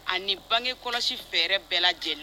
Ani bange kɔlɔsi fɛɛrɛ bɛɛ lajɛlen